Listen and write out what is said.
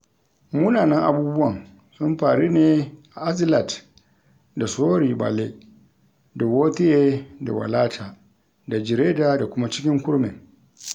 Munanan abubuwan sun faru ne a Azlatt da Sory Male da Wothie da Walata da Jreida da kuma cikin kurmin.